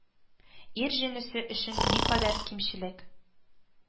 Ир җенесе өчен никадәр кимчелек